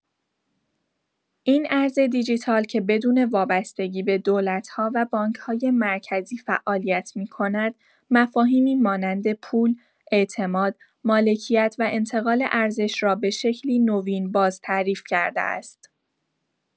این ارز دیجیتال که بدون وابستگی به دولت‌ها و بانک‌های مرکزی فعالیت می‌کند، مفاهیمی مانند پول، اعتماد، مالکیت و انتقال ارزش را به شکلی نوین بازتعریف کرده است.